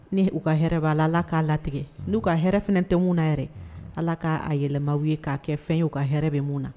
Ni u ka hɛrɛ b'a la k'a latigɛ n'u ka hɛrɛ fana tɛ na yɛrɛ ala k'a a yɛlɛmaw ye k'a kɛ fɛn ye uu ka hɛrɛ bɛ mun na